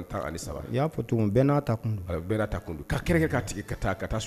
A fɔ